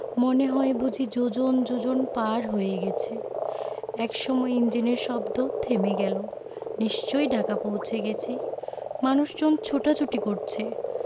মনে হয় বুঝি যোজন যোজন পার হয়ে গেছে একসময় ইঞ্জিনের শব্দ থেমে গেলো নিশ্চয়ই ঢাকা পৌঁছে গেছি মানুষজন ছোটাছুটি করছে